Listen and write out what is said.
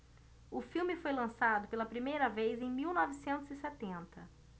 o filme foi lançado pela primeira vez em mil novecentos e setenta